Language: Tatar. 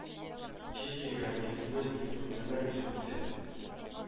Чехиягә нефтьне инде күптәннән биреп килә